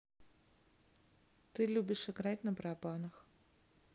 ты любишь играть на барабанах